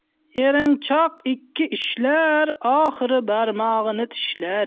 erinchoq ikki ishlar oxiri barmog'ini tishlar